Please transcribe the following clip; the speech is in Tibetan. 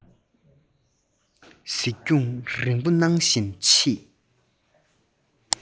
གཟིགས རྒྱང རིང པོ གནང བཞིན མཆིས